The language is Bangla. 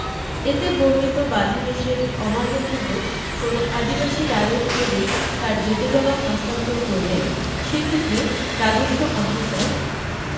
এতে বর্ণিত বাধানিষেধ অমান্যপূর্বক কোন আদিবাসী রায়ত যদি তার জোতজমা হস্তান্তর করলে সেক্ষেত্রে রাজস্ব অফিসার